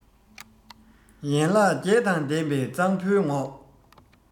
ཡན ལག བརྒྱད དང ལྡན པའི གཙང བོའི ངོགས